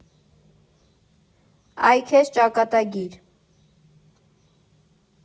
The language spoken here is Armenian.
Ա՜յ քեզ ճակատագիր։